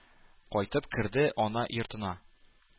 Кайтып керде ана йортына.